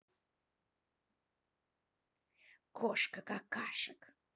кошка какашек